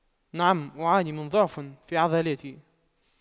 نعم أعاني من ضعف في عضلاتي